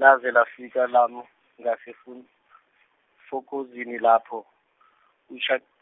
laze lafika lama, ngasefo- fokozini lapho uChak- ,